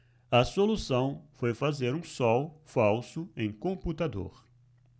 a solução foi fazer um sol falso em computador